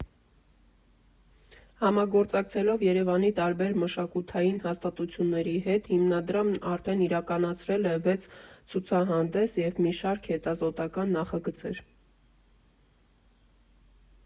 Համագործակցելով Երևանի տարբեր մշակութային հաստատությունների հետ՝ հիմնադրամն արդեն իրականացրել է վեց ցուցահանդես և մի շարք հետազոտական նախագծեր։